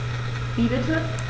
Wie bitte?